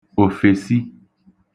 òfèsi